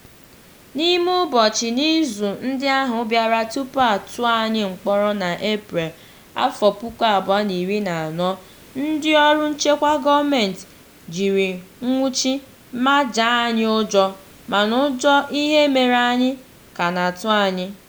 N’ime ụbọchị na izu ndị ahụ bịara tupu a tụọ anyị mkpọrọ n’Eprel 2014, ndịọrụ nchekwa gọọmenti jiri nnwuchi mejaa anyị ụjọ, mana ụjọ ihe mere anyị ka na-atụ anyị.